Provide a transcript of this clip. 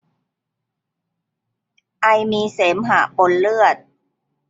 ไอมีเสมหะปนเลือด